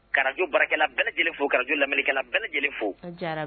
Kaj barakɛla bɛ lajɛlen fo kajo lamkɛla bɛ lajɛlen fo